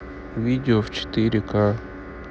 видео в четыре к